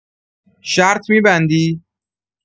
شرط می‌بندی؟